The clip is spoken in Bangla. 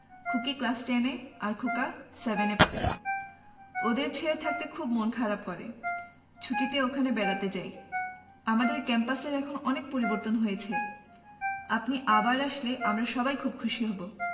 খুকি ক্লাস টেনএ আর খোকা সেভেনএ পড়ে ওদের ছেড়ে থাকতে খুব মন খারাপ করে ছুটিতে ওখানে বেড়াতে যাই আমাদের ক্যাম্পাসের এখন অনেক পরিবর্তন হয়েছে আপনি আবার আসলে আমরা সবাই খুব খুশি হব